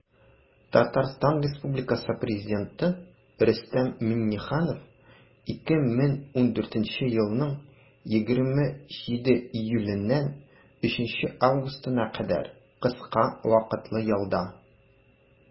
Татарстан Республикасы Президенты Рөстәм Миңнеханов 2014 елның 27 июленнән 3 августына кадәр кыска вакытлы ялда.